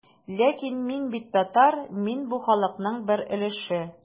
Ләкин мин бит татар, мин бу халыкның бер өлеше.